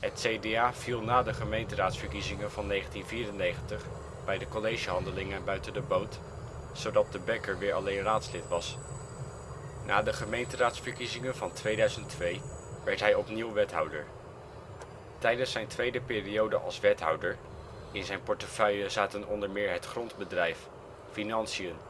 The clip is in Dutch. Het CDA viel na de gemeenteraadsverkiezingen van 1994 bij de collegehandelingen buiten de boot, zodat De Bekker weer alleen raadslid was. Na de gemeenteraadsverkiezingen van 2002 werd hij opnieuw wethouder. Tijdens zijn tweede periode als wethouder (in zijn portefeuille zaten onder meer het grondbedrijf, financiën